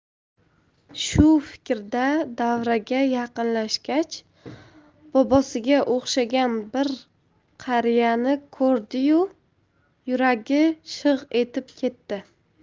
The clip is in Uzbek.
shu fikrda davraga yaqinlashgach bobosiga o'xshagan bir qariyani ko'rdi yu yuragi shig' etib ketdi